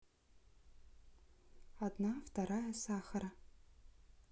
одна вторая сахара